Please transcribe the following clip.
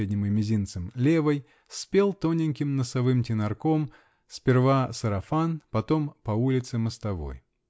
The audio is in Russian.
средним и мизинцем) левой, -- спел тоненьким носовым тенорком сперва "Сарафан", потом "По улице мостовой".